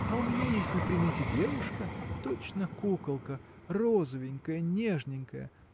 – А у меня есть на примете девушка – точно куколка розовенькая, нежненькая